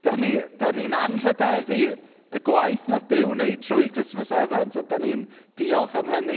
Dan ni dan ni'n anrhyddeddu y gwaith wnaeth Duw wneud trwy Christmas Evans, a dan ni'n diolch am hynny.